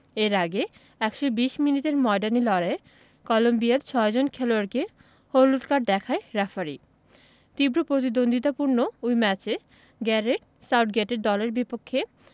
এর আগে ১২০ মিনিটের ময়দানি লড়াইয়ে কলম্বিয়ার ছয়জন খেলোয়াড়কে হলুদ কার্ড দেখায় রেফারি তীব্র প্রতিদ্বন্দ্বিপূর্ণ ওই ম্যাচে গ্যারেথ সাউথগেটের দলের বিপক্ষে